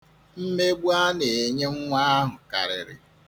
Mmegbu a na-enye nwa ahụ karịrị.